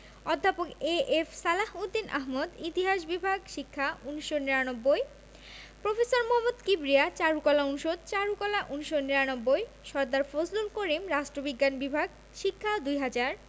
অধ্যাপক এ.এফ সালাহ উদ্দিন আহমদ ইতিহাস বিভাগ শিক্ষা ১৯৯৯ প্রফেসর মোহাম্মদ কিবরিয়া চারুকলা অনুষদ চারুকলা ১৯৯৯ সরদার ফজলুল করিম রাষ্ট্রবিজ্ঞান বিভাগ শিক্ষা ২০০০